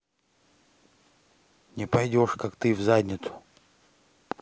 не пойдешь как ты в задницу